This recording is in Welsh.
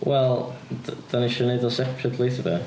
Wel yd- ydan ni isio wneud o'n separately, ta be?